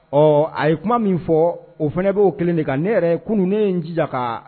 Ɔ a ye kuma min fɔ o fana b'o kelen de kan ne yɛrɛ kununun ne in jijaka